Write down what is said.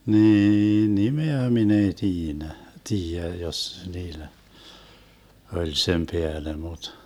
niin nimeä minä ei - tiedä jos niillä oli sen päälle mutta